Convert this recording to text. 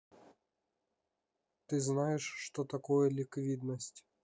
ты знаешь что такое ликвидность